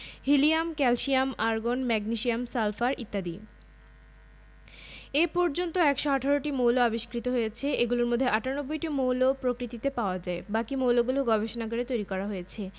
helium calcium argon magnesium sulphur ইত্যাদি এ পর্যন্ত ১১৮টি মৌল আবিষ্কৃত হয়েছে এগুলোর মধ্যে ৯৮টি মৌল প্রকৃতিতে পাওয়া যায় বাকি মৌলগুলো গবেষণাগারে তৈরি করা হয়েছে